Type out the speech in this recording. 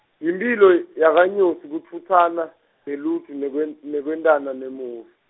yimphilo y- yakanyosi kutfutsana, neluju nekwen- nekwentana nemovu.